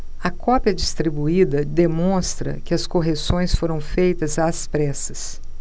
a cópia distribuída demonstra que as correções foram feitas às pressas